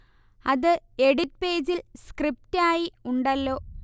അത് എഡിറ്റ് പേജിൽ സ്ക്രിപ്റ്റ് ആയി ഉണ്ടല്ലോ